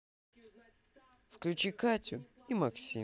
включи катю и максим